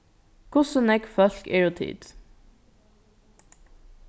hvussu nógv fólk eru tit